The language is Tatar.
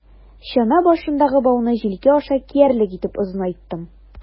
Чана башындагы бауны җилкә аша киярлек итеп озынайттым.